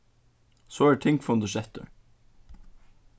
so er tingfundur settur